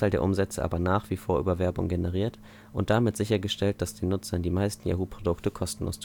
der Umsätze aber nach wie vor über Werbung generiert und damit sichergestellt, dass den Nutzern die meisten Yahoo-Produkte kostenlos